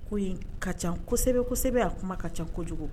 Ko yen ka ca kosɛbɛsɛbɛ a kuma ka ca kojugu